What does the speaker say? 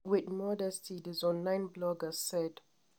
With modesty, the Zone9 bloggers said: